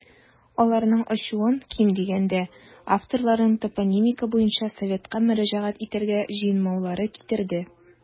Аларның ачуын, ким дигәндә, авторларның топонимика буенча советка мөрәҗәгать итәргә җыенмаулары китерде.